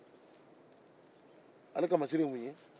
ale ka masiri ye mun ye